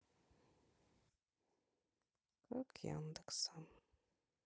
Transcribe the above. как яндекса